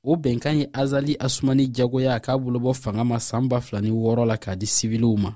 o bɛnkan ye azali asumani diyagoya k'a bolo bɔ fanga ma san 2006 la k'a di siwiliw ma